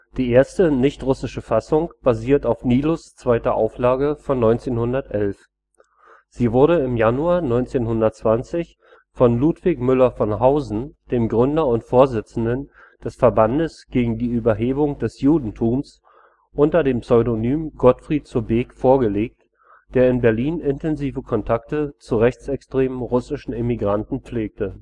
Die erste nichtrussische Fassung basierte auf Nilus ' zweiter Auflage von 1911. Sie wurde im Januar 1920 von Ludwig Müller von Hausen, dem Gründer und Vorsitzenden des Verbandes gegen die Überhebung des Judentums, unter dem Pseudonym Gottfried zur Beek vorgelegt, der in Berlin intensive Kontakte zu rechtsextremen russischen Emigranten pflegte